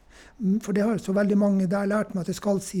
For det har jo så veldig mange der lært meg at jeg skal si.